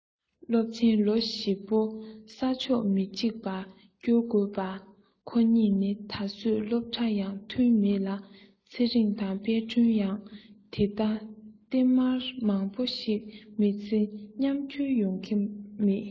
སློབ ཆེན ལོ བཞི པོ ས ཕྱོགས མི གཅིག པར བསྐྱོལ དགོས པ ཁོ གཉིས ནི ད གཟོད སློབ གྲྭ ཡང ཐོན མེད ལ ཚེ རིང དང དཔལ སྒྲོན ཡང དེ ལྟ སྟེ མར མང པོ ཞིག མི ཚེ མཉམ འཁྱོལ ཡོང གི མེད